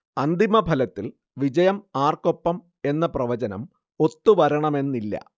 അന്തിമഫലത്തിൽ വിജയം ആർക്കൊപ്പം എന്ന പ്രവചനം ഒത്തുവരണമെന്നില്ല